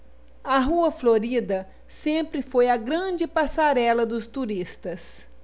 a rua florida sempre foi a grande passarela dos turistas